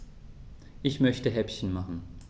Ich möchte Häppchen machen.